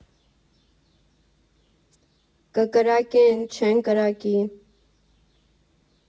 Կկրակե՞ն, չե՞ն կրակի։